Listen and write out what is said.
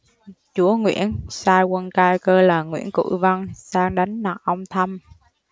chúa nguyễn sai quan cai cơ là nguyễn cửu vân sang đánh nặc ông thâm